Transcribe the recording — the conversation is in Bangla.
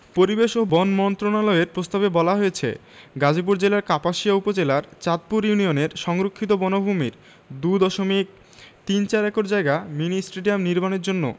পরিবেশ ও বন মন্ত্রণালয়ের প্রস্তাবে বলা হয়েছে গাজীপুর জেলার কাপাসিয়া উপজেলার চাঁদপুর ইউনিয়নের সংরক্ষিত বনভূমির ২ দশমিক তিন চার একর জায়গা মিনি স্টেডিয়াম নির্মাণের জন্য